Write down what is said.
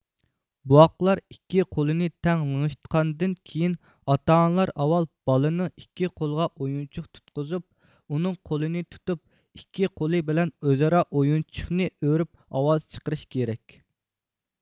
بوۋاقلار ئىككى قۇلىنى تەڭ لىڭشىتقاندىن كېيىن ئاتا ئانىلار ئاۋۋال بالىنىڭ ئىككى قولىغا ئويۇنچۇق تۇتقۇزۇپ ئۇنىڭ قولىنى تۇتۇپ ئىككى قولى بىلەن ئۆزئارا ئويۇنچۇقنى ئۆرۈپ ئاۋاز چىقىرىش كېرەك